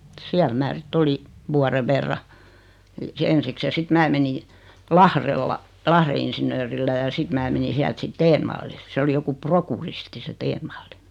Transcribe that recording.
siellä minä sitten olin vuoden verran ensiksi ja sitten minä menin Lahdella Lahden insinöörillä ja sitten minä menin sieltä sitten Stenvallille se oli joku prokuristi se Stenvall